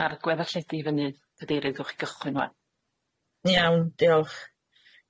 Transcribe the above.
A'r gweddalledu i fyny cadeirydd gywch chi gychwyn ŵan? Iawn diolch.